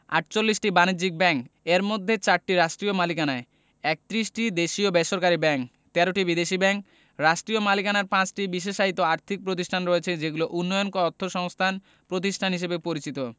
বাণিজ্যিক ব্যাংক এর মধ্যে ৪টি রাষ্ট্রীয় মালিকানায় ৩১টি দেশী বেসরকারি ব্যাংক ১৩টি বিদেশী ব্যাংক রাষ্ট্রীয় মালিকানার ৫টি বিশেষায়িত আর্থিক প্রতিষ্ঠান রয়েছে যেগুলো উন্নয়ন অর্থসংস্থান প্রতিষ্ঠান হিসেবে পরিচিত